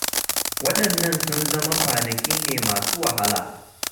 Waɗannan sun zama kwanaki ne masu wahala.